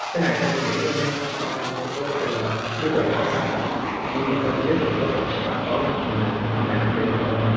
cái này khanh nghĩ thôi nhớ không không không có phải là biết là có sát thật nhưng mà khanh biết là có thật là bà có dùng băng đảng để mà coi như